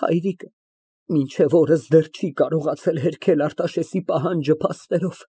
Հայրիկը մինչև օրս դեռ չի կարողացել հերքել Արտաշեսի պահանջը փաստերով։